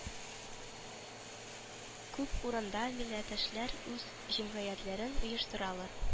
Күп урында милләттәшләр үз җәмгыятьләрен оештыралар